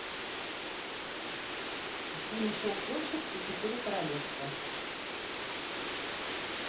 фильм щелкунчик и четыре королевства